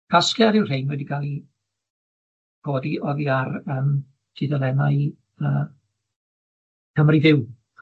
Casgliad yw'r rhein wedi ga'l 'u codi oddi ar yym tudalennau yy Cymru Fyw.